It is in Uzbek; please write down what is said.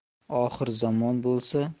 oxir zamon bo'lsa